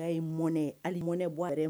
Ye mɔnɛ a mɔnɛ b bɔɛ